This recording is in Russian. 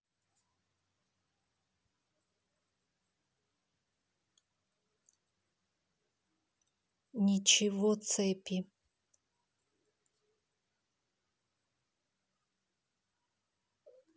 ничего цепи